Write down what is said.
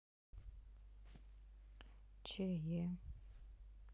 че е